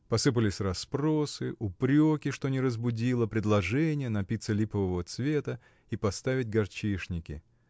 Посыпались расспросы, упреки, что не разбудила, предложения — напиться липового цвета и поставить горчишники.